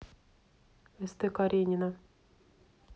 ст каренина